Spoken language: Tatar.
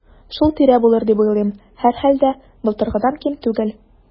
Шул тирә булыр дип уйлыйм, һәрхәлдә, былтыргыдан ким түгел.